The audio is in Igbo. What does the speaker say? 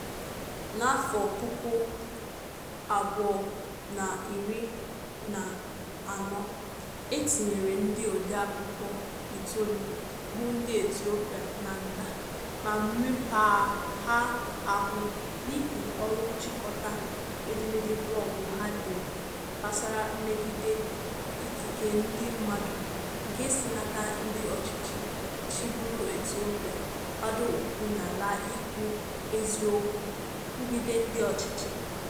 N'afọ 2014, e tinyere ndị odeakwụkwọ itoolu bụ ndị Ethiopia na nga ma mekpaa ha ahụ n'ihi ọrụ nchịkọta edemede blọọgụ ha dere gbasara mmegide ikike ndị mmadụ nke si n'aka ndị ọchịchị chịburu Ethiopia, gbado ụkwụ n'ala ikwu eziokwu kwugide ndị ọchịchị.